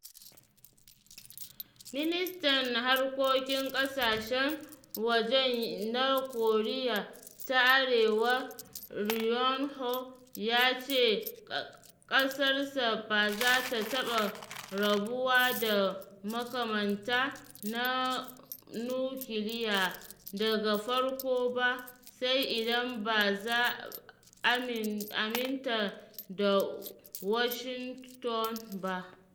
Ministan Harkokin Ƙasashen Waje na Koriya ta Arewa Ri Yong Ho ya ce ƙasarsa ba za ta taɓa rabuwa da makamanta na nukiliya daga farko ba sai idan ba za aminta da Washington ba.